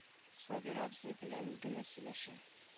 Сабир абзый белән генә сөйләшә